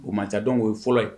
O ma dɔn o ye fɔlɔ ye